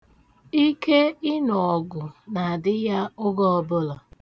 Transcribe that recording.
Ike ịnụ ọgụ na-adị ya oge ọbụla.